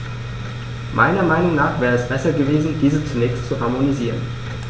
Meiner Meinung nach wäre es besser gewesen, diese zunächst zu harmonisieren.